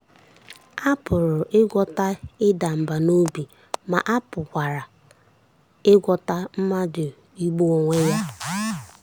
A pụrụ ịgwọta ịda mbà n'obi ma a pụkwara igbochi mmadụ igbu onwe ya.